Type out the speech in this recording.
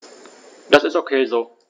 Das ist ok so.